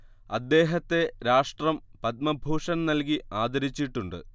അദ്ദേഹത്തെ രാഷ്ട്രം പദ്മഭൂഷൻ നൽകി ആദരിച്ചിട്ടുണ്ട്